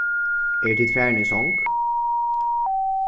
eru tit farin í song